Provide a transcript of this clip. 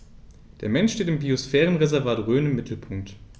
Der Mensch steht im Biosphärenreservat Rhön im Mittelpunkt.